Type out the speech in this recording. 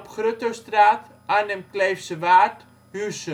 Gruttostraat - Arnhem Kleefsewaard - Huissen De